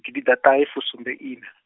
gidiḓaṱahefusumbeiṋa.